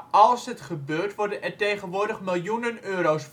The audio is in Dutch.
als het gebeurt worden er tegenwoordig miljoenen euro 's